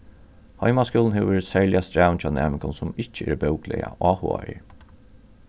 heimaskúlin hevur verið serliga strævin hjá næmingum sum ikki eru bókliga áhugaðir